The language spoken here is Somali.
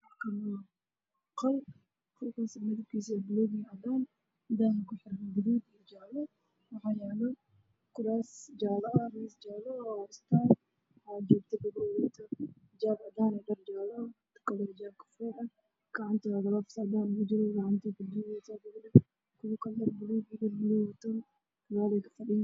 Meshan waxaa fadhiya gabdho